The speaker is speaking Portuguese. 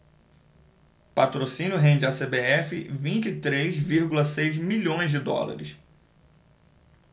patrocínio rende à cbf vinte e três vírgula seis milhões de dólares